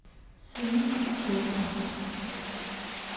свинка попа